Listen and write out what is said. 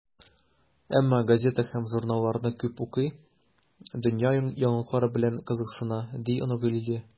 Әмма газета һәм журналларны күп укый, дөнья яңалыклары белән кызыксына, - ди оныгы Лилия.